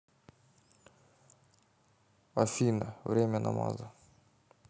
афина время намаза